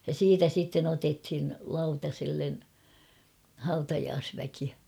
ja siitä sitten otettiin lautaselle hautajaisväki